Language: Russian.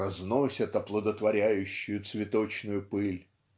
разносят оплодотворяющую цветочную пыль".